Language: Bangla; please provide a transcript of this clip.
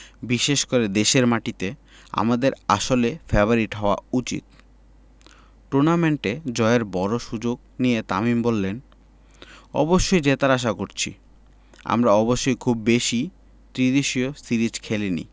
বিশেষ করে দেশের মাটিতে আমাদের আসলে ফেবারিট হওয়া উচিত টুর্নামেন্ট জয়ের বড় সুযোগ নিয়ে তামিম বললেন অবশ্যই জেতার আশা করছি আমরা অবশ্য খুব বেশি ত্রিদেশীয় সিরিজ খেলেনি